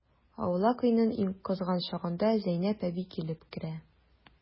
Аулак өйнең иң кызган чагында Зәйнәп әби килеп керә.